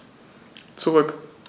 Zurück.